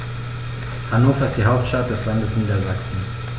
Hannover ist die Hauptstadt des Landes Niedersachsen.